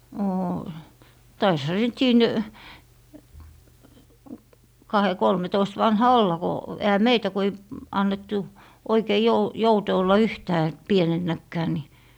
oo taisihan se sitten siinä kahden kolmentoista vanha olla kun eihän meitä kun ei annettu oikein - jouten olla yhtään pienenäkään niin